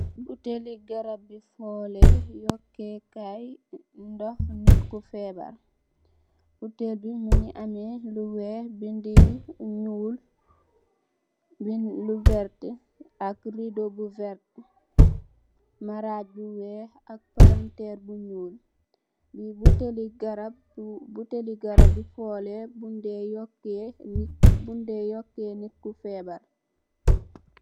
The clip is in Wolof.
Butehli garabii forleh yokeh kaii ndoh nitt ku febarr, butehll bii mungy ameh lu wekh, bindue yu njull, bindue lu vert ak ridoh bu vert, marajj bu wekh ak palanterre bu njull, lii butehli garab bu butehli garabii forleh bungh daey yorkeh nitt bun daey yorkeh nitt ku febarr.